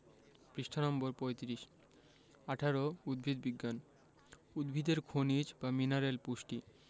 পৃষ্টা number ৩৫ ১৮ উদ্ভিদ বিজ্ঞান উদ্ভিদের খনিজ বা মিনারেল পুষ্টি